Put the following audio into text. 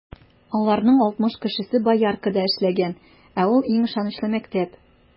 Аларның алтмыш кешесе Бояркада эшләгән, ә ул - иң ышанычлы мәктәп.